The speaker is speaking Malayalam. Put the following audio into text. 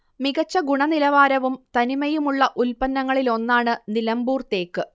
മികച്ച ഗുണനിലവാരവും തനിമയുമുള്ള ഉൽപ്പന്നങ്ങളിലൊന്നാണ് നിലമ്പൂർ തേക്ക്